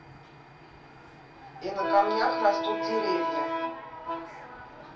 и на камнях растут деревья